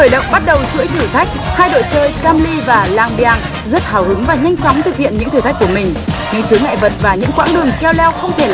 khởi động bắt đầu chuỗi thử thách hai đội chơi cam li và lang beng rất hào hứng và nhanh chóng thực hiện những thử thách của mình những chướng ngại vật và những quãng đường cheo leo không thể làm